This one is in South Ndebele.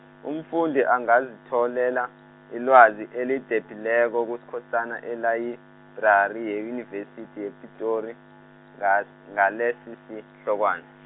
umfundi angazitholela, ilwazi elidephileko kuSkhosana elayibrari yeyunivesithi yePitori, ngal- ngalesisihlokwana .